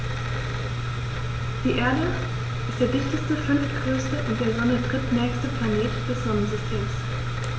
Die Erde ist der dichteste, fünftgrößte und der Sonne drittnächste Planet des Sonnensystems.